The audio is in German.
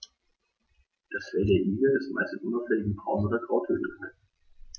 Das Fell der Igel ist meist in unauffälligen Braun- oder Grautönen gehalten.